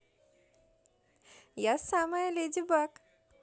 я самая леди баг